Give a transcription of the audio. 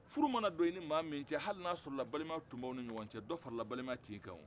furu mana don i ni maa min cɛ hali n'a y'a sɔrɔ balimaya tun b'aw ni ɲɔgɔn cɛ dɔ farala balimaya tin kan o